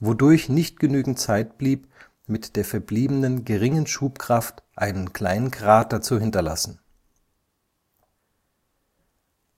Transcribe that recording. wodurch nicht genügend Zeit blieb, mit der verbliebenen geringen Schubkraft einen kleinen Krater zu hinterlassen.